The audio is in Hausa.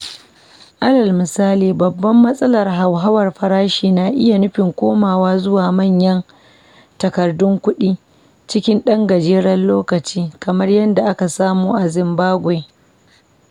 Alal misali, babban matsalar hauhawar farashi na iya nufin komawa zuwa manyan takardun kuɗi cikin ɗan gajeren lokaci, kamar yadda aka samu a Zimbabwe.